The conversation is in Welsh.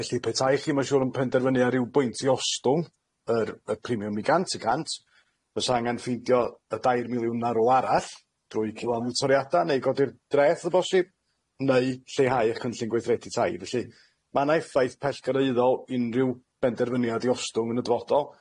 Felly petai chi ma'n siŵr yn penderfynnu ar ryw bwynt i ostwng yr yy premium i gant y cant ma' sa' angan ffeindio y dair miliwn na rw arall drwy cynnal mwy toriada neu godi'r dreth o bosib neu lleihau eich cynllun gweithredu tai felly ma' na effaith pell-garaeddol unrhyw benderfyniad i ostwng yn y dyfodol.